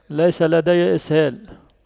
ليس لدي اسهال